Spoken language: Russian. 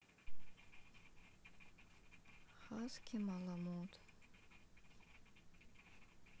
хаски маламут